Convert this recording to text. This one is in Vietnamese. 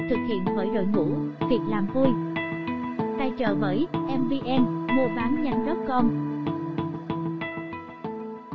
thực hiện bởi đội ngũ việc làm vui tài trợ bởi muabannhanh com